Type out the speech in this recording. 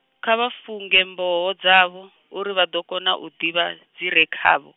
kha vha funge mboho dzavho , uri vha ḓo kona u ḓivha, dzire dzavho.